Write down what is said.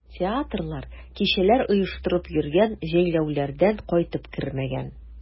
Театрлар, кичәләр оештырып йөргән, җәйләүләрдән кайтып кермәгән.